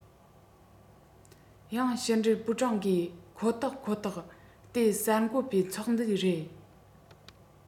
དབྱང ཕྱི འབྲེལ པུའུ ཀྲང གིས ཁོ ཐག ཁོ ཐག བལྟས གསར འགོད པའི ཚོགས འདུའི རེད